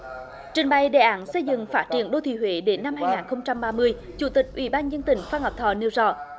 trình bày đề án xây dựng phát triển đô thị huế để năm hai nghìn không trăm ba mươi chủ tịch ủy ban dân tỉnh phan ngọc thọ nêu rõ